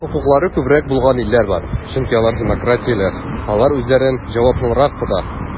Хокуклары күбрәк булган илләр бар, чөнки алар демократияләр, алар үзләрен җаваплырак тота.